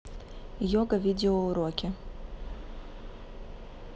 йога видеоуроки